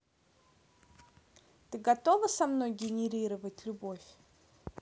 ты готова со мной генерировать любовь